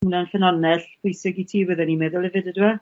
Wnna'n ffynonnell bwysig i ti fydden i'n meddwl efyd ydyw e?